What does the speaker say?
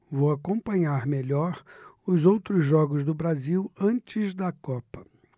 vou acompanhar melhor os outros jogos do brasil antes da copa